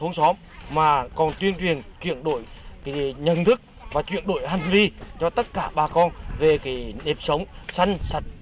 thôn xóm mà còn tuyên truyền chuyển đổi cái nhận thức và chuyển đổi hành vi cho tất cả bà con về cái nếp sống xanh sạch